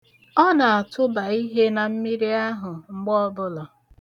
Ọ na-atụba ihe na mmiri ahụ mgbe ọbụla.